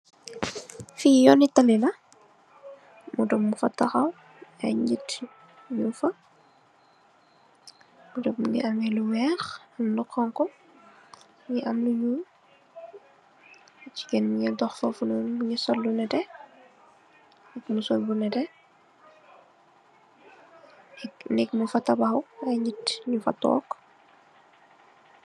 Fii yooni talli la, Otto mung fa taxaw, ay nit, ñung fa, otto bi mu ngi amee lu weex, mu ngi xoñxu, am lu ñuul, jigéen mu ngee dox foofu, sol lu nétté, neeg muñ fa taxaw ak ay nit.